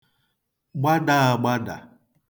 gbadā āgbādà